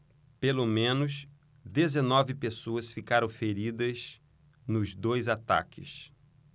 pelo menos dezenove pessoas ficaram feridas nos dois ataques